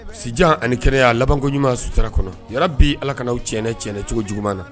Sijan ani kɛnɛya' a labankoɲumanuma sutara kɔnɔra bi ala kanaw cɛ cɛn cogo juguman na